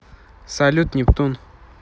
салют нептун